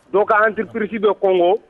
Dɔw' an tɛ pursi dɔ kɔngɔ